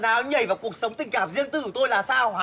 áo nhảy vào cuộc sống tình cảm riêng tư của tôi là sao hả